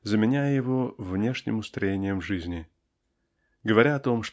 заменяя его внешним устроением жизни. Говоря о том